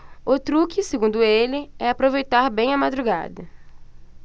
o truque segundo ele é aproveitar bem a madrugada